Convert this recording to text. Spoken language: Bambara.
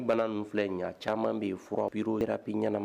Bana filɛ ɲɛ caman bɛ fura pyuroroypy ɲɛnaanama